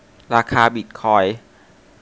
ราคาบิทคอยน์